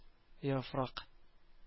Яфрак